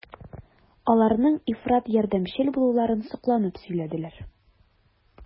Аларның ифрат ярдәмчел булуларын сокланып сөйләделәр.